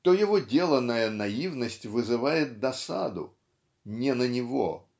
то его деланная наивность вызывает досаду (не на него)